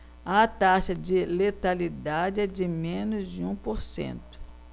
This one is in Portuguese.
a taxa de letalidade é de menos de um por cento